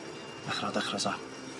Dechra o dechra ta.